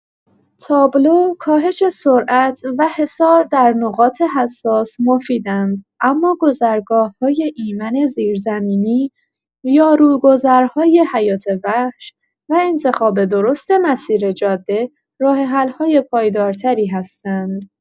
تابلو، کاهش سرعت و حصار در نقاط حساس مفیدند، اما گذرگاه‌های ایمن زیرزمینی یا روگذرهای حیات‌وحش و انتخاب درست مسیر جاده، راه‌حل‌های پایدارتری هستند.